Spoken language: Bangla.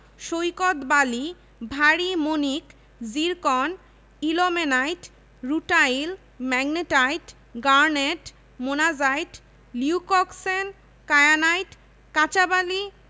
সৈকত বালি ভারি মণিক zircon ilmenite rutile magnetite garnet monazite leucoxene kyanite কাঁচবালি